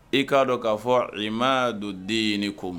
I k'a dɔn k'a fɔ